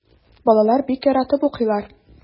Балалар бик яратып укыйлар.